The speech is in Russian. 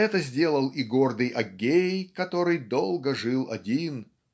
Это сделал и гордый Агтей который долго жил один